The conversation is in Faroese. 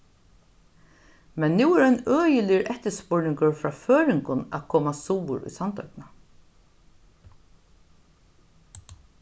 men nú er ein øgiligur eftirspurningur frá føroyingum at koma suður í sandoynna